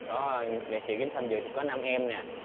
có ờ nghệ sĩ đến tham dự có nam em nè